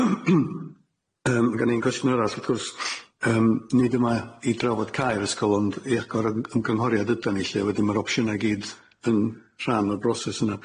Yym ma' gen i'n cwestiwn arall, wrth gwrs yym nid yma i drafod cau'r ysgol ond i agor ym- ymgynghoriad ydan ni lly, wedyn ma'r opsiynau i gyd yn rhan o'r broses yna.